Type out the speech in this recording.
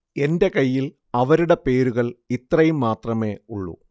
എന്റെ കയ്യില്‍ അവരുടെ പേരുകള്‍ ഇത്രയും മാത്രമേ ഉള്ളൂ